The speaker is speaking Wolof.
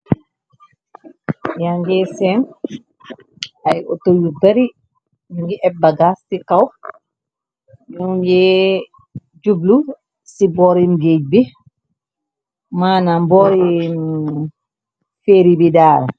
Yange sem ay ato yu bari yngi eb bagaas ci kaw yu ngi jublu ci boorim géej bi maanam boori feeri bi daal.